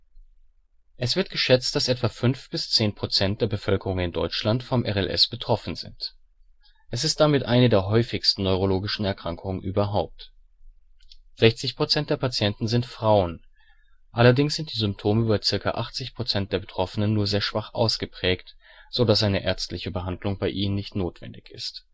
Es wird geschätzt, dass etwa 5 – 10 % der Bevölkerung in Deutschland vom RLS betroffen sind. Es ist damit eine der häufigsten neurologischen Erkrankungen überhaupt. 60% der Patienten sind Frauen. Allerdings sind die Symptome bei ca. 80 % der Betroffenen nur sehr schwach ausgeprägt, so dass eine ärztliche Behandlung bei ihnen nicht notwendig ist